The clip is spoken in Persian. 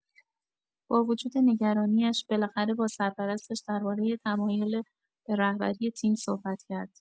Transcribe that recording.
با وجود نگرانی‌اش، بالاخره با سرپرستش درباره تمایل به رهبری تیم صحبت کرد.